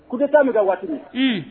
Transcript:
Ku tɛ taa min ka waati